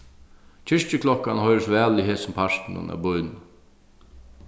kirkjuklokkan hoyrist væl í hesum partinum av býnum